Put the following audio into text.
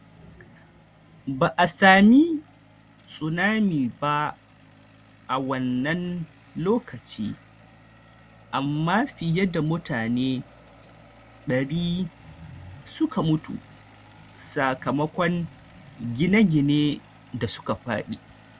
Ba a sami tsunami ba a wannan lokaci, amma fiye da mutane 100 suka mutu sakamakon gine-ginen da suka fadi.